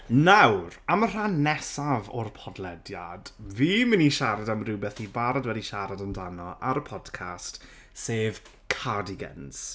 Nawr, am y rhan nesaf o'r podlediad fi'n mynd i siarad am hywbeth fi barod wedi siarad amdano ar y podcast, sef cardigans.